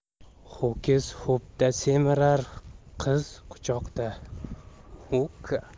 ho'kiz ho'pda semirar qiz quchoqda